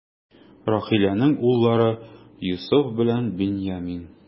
Рахиләнең уллары: Йосыф белән Беньямин.